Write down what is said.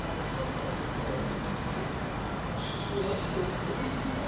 và cũng có thể là để lợi dụng những chính sách